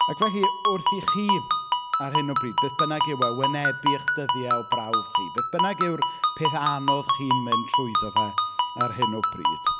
Ac felly, wrth i chi ar hyn o bryd, beth bynnag yw e, wynebu eich dyddiau o brawf chi. Beth bynnag yw'r peth anodd chi'n mynd trwyddo fe ar hyn o bryd.